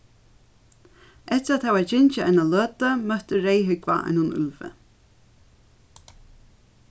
eftir at hava gingið eina løtu møtti reyðhúgva einum úlvi